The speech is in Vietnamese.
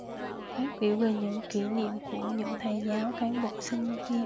phát biểu về những kỷ niệm của những thầy giáo cán bộ sinh viên